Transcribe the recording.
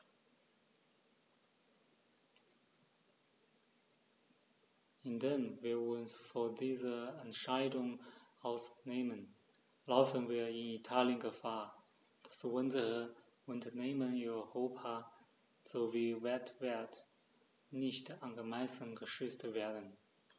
Indem wir uns von dieser Entscheidung ausnehmen, laufen wir in Italien Gefahr, dass unsere Unternehmen in Europa sowie weltweit nicht angemessen geschützt werden.